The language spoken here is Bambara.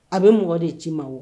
A bɛ mɔgɔ de ci ma wa